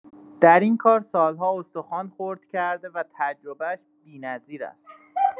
در این کار سال‌ها استخوان خرد کرده و تجربه‌اش بی‌نظیر است.